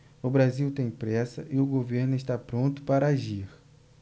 o brasil tem pressa e o governo está pronto para agir